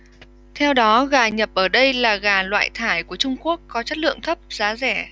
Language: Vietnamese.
theo đó gà nhập ở đây là gà loại thải của trung quốc có chất lượng thấp giá rẻ